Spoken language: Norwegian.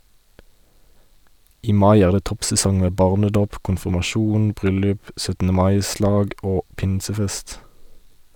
I mai er det toppsesong med barnedåp, konfirmasjon, bryllup, 17. mai-slag og pinsefest.